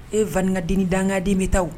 E fainkaden ni dangaden bɛ taa